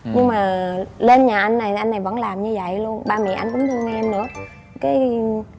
nhưng mà lên nhà anh này anh này vẫn làm như vậy luôn ba mẹ anh cũng thương em nữa cái